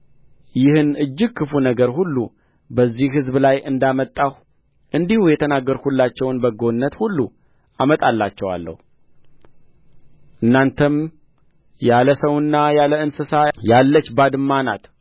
ይህን እጅግ ክፉ ነገር ሁሉ በዚህ ሕዝብ ላይ እንዳመጣሁ እንዲሁ የተናገርሁላቸውን በጎነት ሁሉ አመጣላቸዋለሁ እናንተም ያለ ሰውና ያለ እንሰሳ ያለች ባድማ ናት